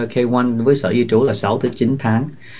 cây coăn với sở di trú là sáu tới chín tháng